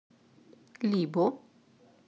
либо